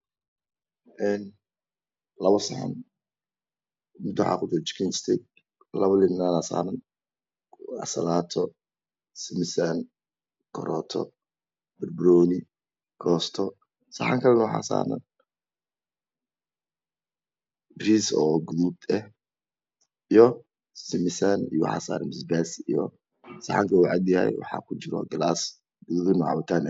Labo saxan mid waxaa kujiro jikin labo liin dhanaana saaran ansalaato, simisaam, karooto, banbanooni iyo koosto. Saxanka kalana waxaa saaran bariis gaduud ah simisaam iyo basbaas saxan ku waa cad yahay waxaa kujiro galaas gaduudan oo cabitaan ah.